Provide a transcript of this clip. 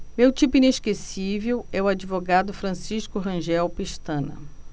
meu tipo inesquecível é o advogado francisco rangel pestana